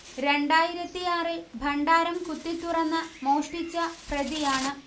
രണ്ടായിരത്തിയാറിൽ ഭണ്ടാരം കുത്തിത്തുറന്ന് മോഷ്ടിച്ച പ്രതിയാണ്